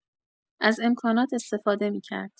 از امکانات استفاده می‌کرد.